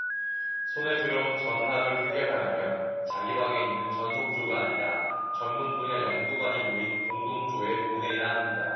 손에 들어온 전합을 해결하려면 자기 방에 있는 전속조가 아니라 전문분야 연구관이 모인 공동조에 보내야 한다